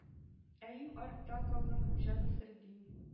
Ә иң артта калган Хуҗа Насретдин,